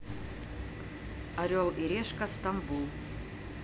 орел и решка стамбул